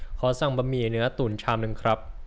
ขอสั่งบะหมี่เนื้อตุ๋นชามนึงครับ